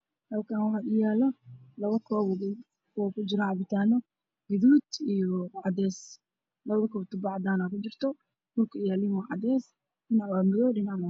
Halkan waxayalo labo koob oo cabitan kujiro gaduud io cades labo tubo aa kujiro dhulka waa cades io madow